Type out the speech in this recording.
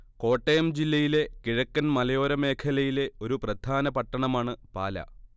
കോട്ടയം ജില്ലയിലെ കിഴക്കൻ മലയോര മേഖലയിലെ ഒരു പ്രധാന പട്ടണമാണ് പാലാ